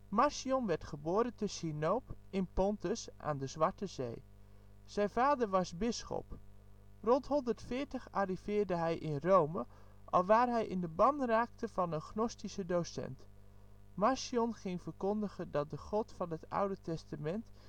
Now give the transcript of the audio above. Marcion werd geboren te Sinope, in Pontus, aan de Zwarte Zee. Zijn vader was bisschop. Rond 140 arriveerde hij in Rome, alwaar hij in de ban raakte van een gnostische docent. Marcion ging verkondigen dat de God van het Oude Testament